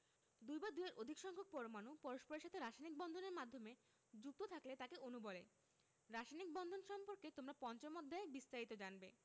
দুই বা দুইয়ের অধিক সংখ্যক পরমাণু পরস্পরের সাথে রাসায়নিক বন্ধন এর মাধ্যমে যুক্ত থাকলে তাকে অণু বলে রাসায়নিক বন্ধন সম্পর্কে তোমরা পঞ্চম অধ্যায়ে বিস্তারিত জানবে